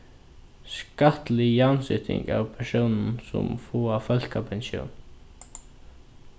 skattlig javnseting av persónum sum fáa fólkapensjón